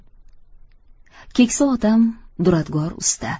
keksa otam duradgor usta